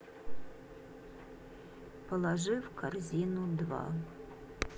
положи в корзину два